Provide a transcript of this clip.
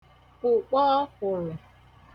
ụ̀kpọ ọkwụ̀rụ̀